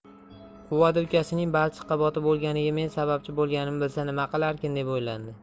quvada ukasining balchiqqa botib o'lganiga men sababchi bo'lganimni bilsa nima qilarkin deb o'ylandi